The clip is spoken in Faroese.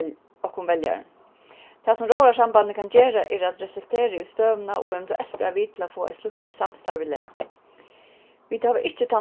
okkum veljarum tað sum róðrarsambandið kann gera er at reflektera yvir støðuna og eventuelt vera við til at fáa eitt slíkt samstarv í lag vit hava ikki